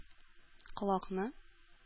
Колакны